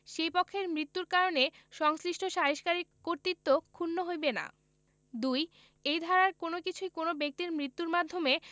সেই পক্ষের মুত্যুর কারণে সংশ্লিষ্ট সালিসকারীর কর্তৃত্ব ক্ষুন্ন হইবে না ২ এই ধারার কোন কিছুই কোন ব্যক্তির মৃত্যুর মাধ্যমে